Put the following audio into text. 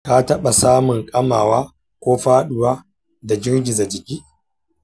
ka taɓa samun kamawa ko faduwa da girgiza jiki?